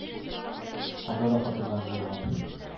Анда да хатыннар җыелган,